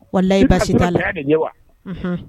Wala layi baasi sitan la ye wa